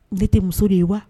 Ne tɛ muso de ye wa!